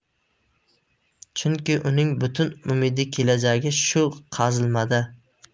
chunki uning butun umidi kelajagi shu qazilmada